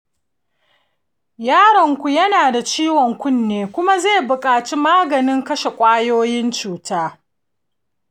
yaronku yana da ciwon kunne kuma zai buƙaci maganin kashe ƙwayoyin cuta.